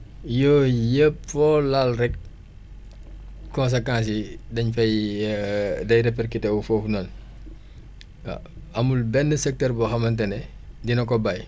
yooyu yëpp foo laal rek conséquences yi dañ fay day répercuté wu foofu noonu waaw amul benn secteur boo xamante nedina ko bàyyi